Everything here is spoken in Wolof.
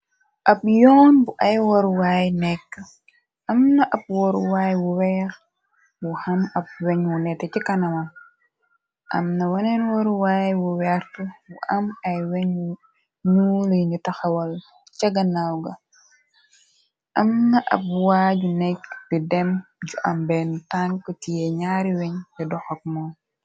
ab yoonbuamna ab woruwaay bu weex bu am ab weñ wu nette ci kanawam am na weneen waruwaay wu weert bu am ay weñ ñu li ñu taxawal ca ganaaw ga am na ab waaju nekk bi dem ju am benn tank ci ya ñaari weñ di doxak moon